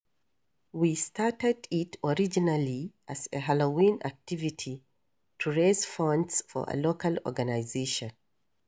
We started it originally as a Halloween activity to raise funds for a local organization.